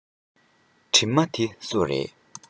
གྲིབ མ དེ སུ རེད